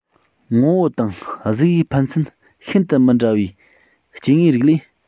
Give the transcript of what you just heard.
ངོ བོ དང གཟུགས དབྱིབས ཕན ཚུན ཤིན ཏུ མི འདྲ བའི སྐྱེ དངོས རིགས ལས